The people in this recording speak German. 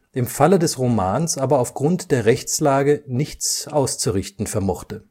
im Falle des Romans aber aufgrund der Rechtslage nichts auszurichten vermochte